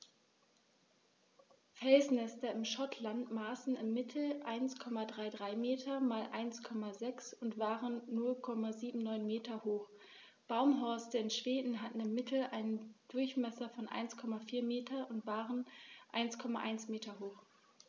Felsnester in Schottland maßen im Mittel 1,33 m x 1,06 m und waren 0,79 m hoch, Baumhorste in Schweden hatten im Mittel einen Durchmesser von 1,4 m und waren 1,1 m hoch.